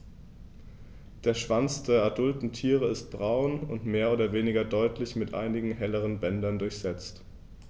Der Schwanz der adulten Tiere ist braun und mehr oder weniger deutlich mit einigen helleren Bändern durchsetzt.